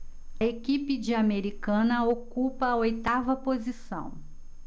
a equipe de americana ocupa a oitava posição